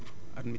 dëgg la